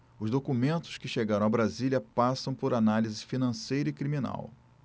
os documentos que chegaram a brasília passam por análise financeira e criminal